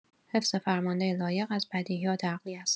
حفظ فرمانده لایق از بدیهیات عقلی است.